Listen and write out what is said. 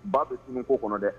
Ba bɛ fini ko kɔnɔ dɛ